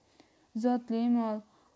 zotli mol